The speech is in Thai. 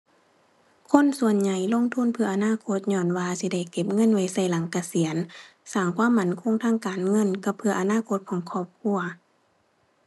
คนส่วนใหญ่ลงทุนเพื่ออนาคตญ้อนว่าสิได้เก็บเงินไว้ใช้หลังเกษียณ สร้างความมั่นคงทางการเงิน กับเพื่ออนาคตของครอบครัว